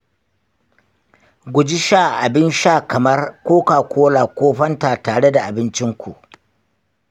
guji sha abin sha kamar koka-kola ko fanta tare da abincinku.